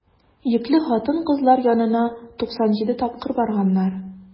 Йөкле хатын-кызлар янына 97 тапкыр барганнар.